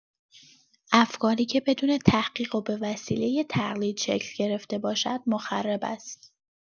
افکاری که بدون تحقیق و به وسیلۀ تقلید شکل گرفته باشد مخرب است.